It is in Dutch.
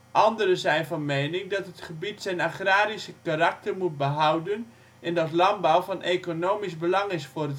Anderen zijn van mening dat het gebied zijn agrarische karakter moet behouden en dat landbouw van economisch belang is voor